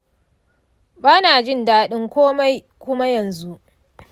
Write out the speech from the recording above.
ba na jin daɗin komai kuma yanzu.